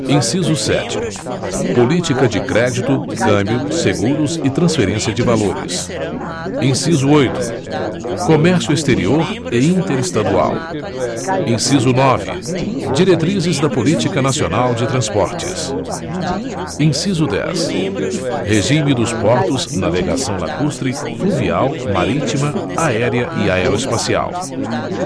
inciso sete política de crédito câmbio seguros e transferência de valores inciso oito comércio exterior e interestadual inciso nove diretrizes da política nacional de transportes inciso dez regime dos portos navegação lacustre fluvial marítima aérea e aeroespacial